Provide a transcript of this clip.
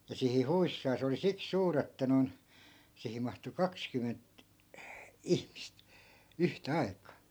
ja siihen huissaan se oli siksi suuri että noin siihen mahtui kaksikymmentä ihmistä yhtä aikaa